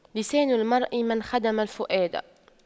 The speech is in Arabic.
لسان المرء من خدم الفؤاد